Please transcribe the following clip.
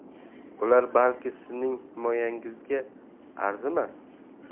ular balki sizning himoyangizga arzimas